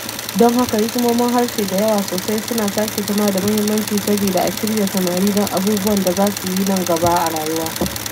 Don haka hikimomin harshe da yawa sosai suna sake zama da muhimmanci saboda a shirya samari don abubuwan da za su yi nan gaba a rayuwa.